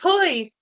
Pwy?